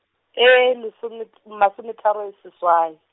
e lesome t-, masometharo seswai.